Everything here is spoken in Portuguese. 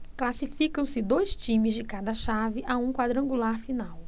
classificam-se dois times de cada chave a um quadrangular final